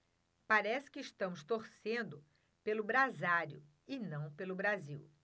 parece que estamos torcendo pelo brasário e não pelo brasil